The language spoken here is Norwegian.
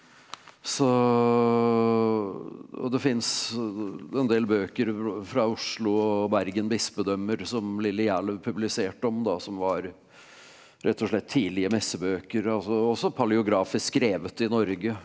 så og det fins en del bøker fra Oslo og Bergen bispedømmer som Lilli Gjerløw publiserte om da som var rett og slett tidlige messebøker altså også paleografisk skrevet i Norge.